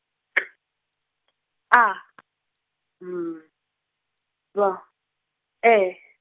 K, A , M, B, E.